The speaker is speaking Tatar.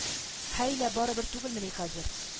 Һәй лә барыбер түгелмени хәзер